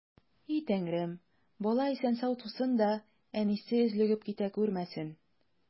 И Тәңрем, бала исән-сау тусын да, әнисе өзлегеп китә күрмәсен!